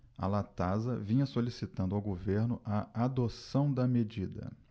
a latasa vinha solicitando ao governo a adoção da medida